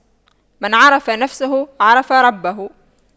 من عرف نفسه عرف ربه